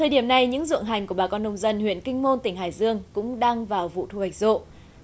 thời điểm này những ruộng hành của bà con nông dân huyện kinh môn tỉnh hải dương cũng đang vào vụ thu hoạch rộ